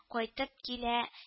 Кайтып килә